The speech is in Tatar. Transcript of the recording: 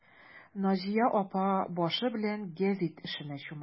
Наҗия апа башы белән гәзит эшенә чума.